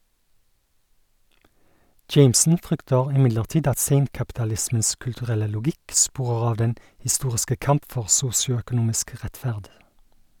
Jameson frykter imidlertid at seinkapitalismens kulturelle logikk sporer av den historiske kamp for sosioøkonomisk rettferd.